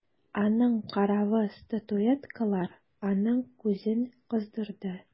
Аның каравы статуэткалар аның күзен кыздырды.